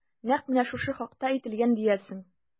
Нәкъ менә шушы хакта әйтелгән диярсең...